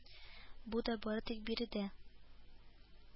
Бу да бары тик биредә